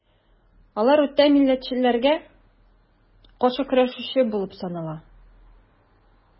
Алар үтә милләтчеләргә каршы көрәшүче булып санала.